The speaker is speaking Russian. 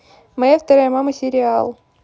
моя вторая мама сериал